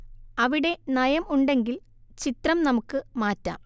അവിടെ നയം ഉണ്ടെങ്കിൽ ചിത്രം നമുക്ക് മാറ്റാം